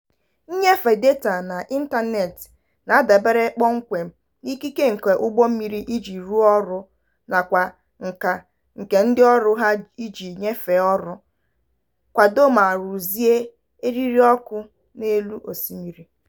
Nnyefe data n'ịntaneetị na-adabere kpọmkwem n'ikike nke ụgbọmmiri iji rụọ ọrụ nakwa nkà nke ndịọrụ ha iji nyefee ọrụ, kwado ma rụzie eririọkụ n'elu osimiri.